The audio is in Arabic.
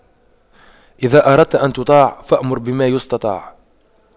إذا أردت أن تطاع فأمر بما يستطاع